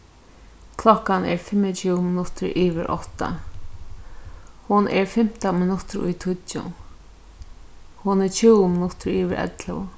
klokkan er fimmogtjúgu minuttir yvir átta hon er fimtan minuttir í tíggju hon er tjúgu minuttir yvir ellivu